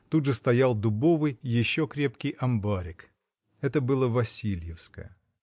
тут же стоял дубовый, еще крепкий амбарчик. Это было Васильевское.